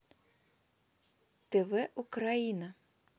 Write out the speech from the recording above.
тв украина